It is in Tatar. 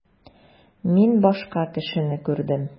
Мин башка кешене күрдем.